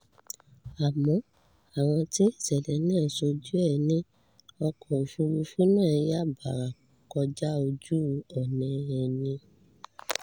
Àmọ́ àwọn tí ìṣẹ̀lẹ̀ náà ṣojú ẹ̀ ní ọkọ̀-òfúrufú náà yà bàrà kọjá ojú-ọ̀nà ẹ ni.